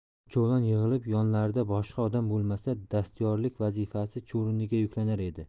uchovlon yig'ilib yonlarida boshqa odam bo'lmasa dastyorlik vazifasi chuvrindiga yuklanar edi